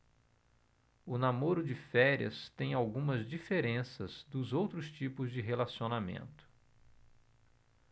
o namoro de férias tem algumas diferenças dos outros tipos de relacionamento